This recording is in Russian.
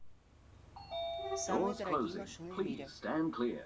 самые дорогие машины в мире